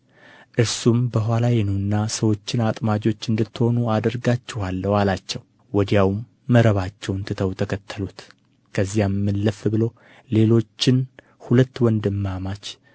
እርሱም በኋላዬ ኑና ሰዎችን አጥማጆች እንድትሆኑ አደርጋችኋለሁ አላቸው ወዲያውም መረባቸውን ትተው ተከተሉት ከዚያም እልፍ ብሎ ሌሎችን ሁለት ወንድማማች